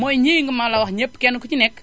mooy ñii ma la wax ñépp kenn ku ci nekk